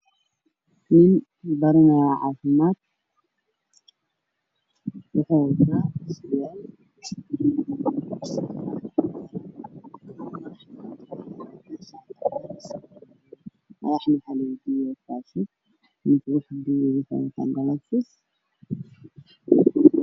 Waxa ii muuqda laba wiil mid taagan iyo mid fadhiyo mid ka fadhiya waxaa lagu xirayaa maro ayaa qorta laga xirayaa marada midabkeedu waa haddaan